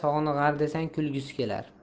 sog'ni g'ar desang kulgisi kelar